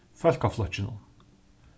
fólkaflokkinum